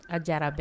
A diyara bɛɛ